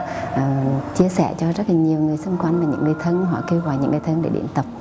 chia sẻ cho rất nhiều người xung quanh và những người thân họ kêu gọi những người thân để đến tập